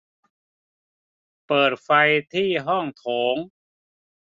เปิดไฟที่ห้องโถง